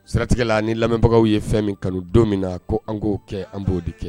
Siratigɛla ni lamɛnbagaw ye fɛn min kanu don min na, k' an k'o kɛ, an b'o de kɛ